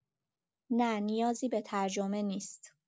نه نیازی به ترجمه نیست